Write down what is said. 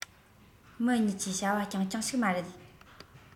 མི གཉིས ཀྱི བྱ བ རྐྱང རྐྱང ཞིག མ རེད